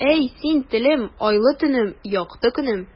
Әй, син, телем, айлы төнем, якты көнем.